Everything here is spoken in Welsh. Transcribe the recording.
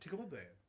Ti'n gwybod be?